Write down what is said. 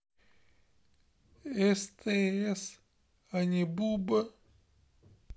стс а не буба